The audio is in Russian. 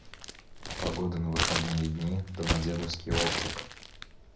погода на выходные дни домодедовский округ